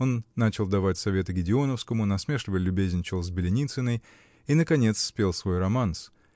он начал давать советы Гедеоновскому, насмешливо любезничал с Беленицыной и, наконец, спел свой романс.